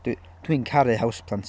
Dwi- dwi'n caru houseplants.